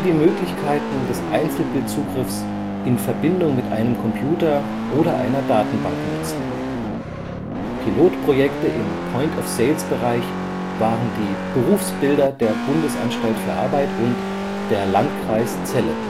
Möglichkeiten des Einzelbildzugriffs in Verbindung mit einem Computer oder einer Datenbank nutzten. Pilotprojekte im Point-of-Sales-Bereich waren die „ Berufsbilder “der Bundesanstalt für Arbeit und „ Der Landkreis Celle